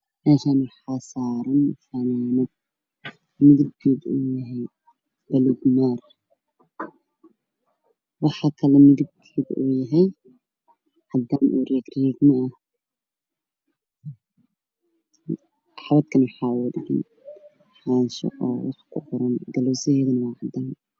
Meeshaan waxaa saaran fanaanad kalarkoodu waa buluug maari, cadaan oo diligtimo ah. Xabadkana waxaa oga dhagan xaanshi oo wax kuqoran kuluustiisana waa cadaan.